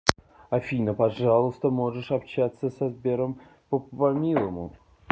афина пожалуйста можешь общаться с сбером по по милому